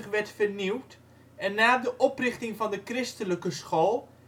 werd vernieuwd en na de oprichting van de christelijke school